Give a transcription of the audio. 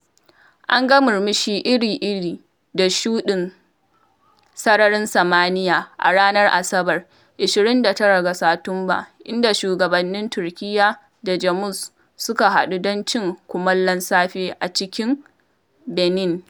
An ga murmurshi iri-iri da shuɗin sararin samaniya a ranar Asabar (29 ga Satumba) inda shugabannin Turkiyya da Jamus suka haɗu don cin kumallon safe a cikin Berlin.